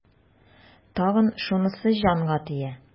Тагын шунысы җанга тия.